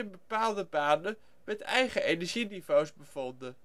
bepaalde banen met eigen energieniveaus bevonden